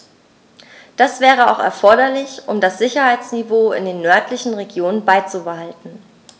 Das wäre auch erforderlich, um das Sicherheitsniveau in den nördlichen Regionen beizubehalten.